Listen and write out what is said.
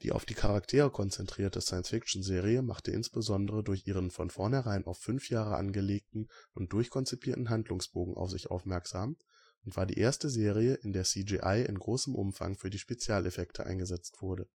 auf die Charaktere konzentrierte Science Ficton-Serie machte insbesondere durch ihren von vornherein auf 5 Jahre angelegten und durchkonzipierten Handlungsbogen auf sich aufmerksam und war die erste Serie, in der CGI in großem Umfang für die Spezialeffekte eingesetzt wurde